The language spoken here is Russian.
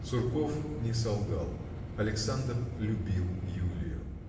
Сурков не солгал: Александр любил Юлию.